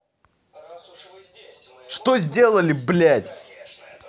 что сделали блядь